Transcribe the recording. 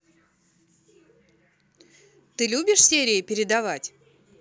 ты любишь серии передавать